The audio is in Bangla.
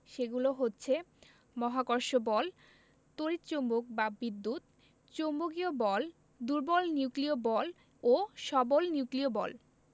সেগুলো হচ্ছে মহাকর্ষ বল তড়িৎ চৌম্বক বা বিদ্যুৎ চৌম্বকীয় বল দুর্বল নিউক্লিয় বল ও সবল নিউক্লিয় বল